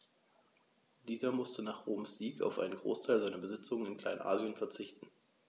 Dieser musste nach Roms Sieg auf einen Großteil seiner Besitzungen in Kleinasien verzichten.